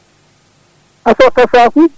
a sotta sakuji